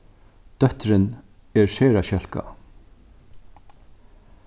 dóttirin er sera skelkað